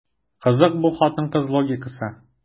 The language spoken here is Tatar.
Кызык бу хатын-кыз логикасы.